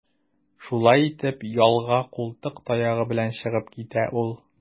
Шулай итеп, ялга култык таягы белән чыгып китә ул.